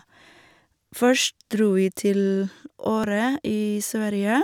Først dro vi til Åre i Sverige.